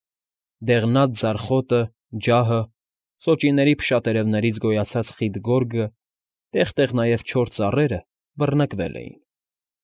Դեղնած ձարխոտը, ջախը, սոճիների փշատերևներից գոյացած խիտ գորգը, տեղ֊տեղ նաև չոր ծառերը բռնկվել էին։